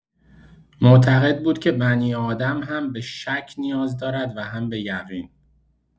معتقد بود که بنی‌آدم هم به شک نیاز دارد و هم بۀقین.